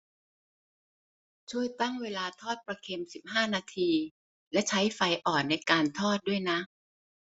ช่วยตั้งเวลาทอดปลาเค็มสิบห้านาทีและใช้ไฟอ่อนในการทอดด้วยนะ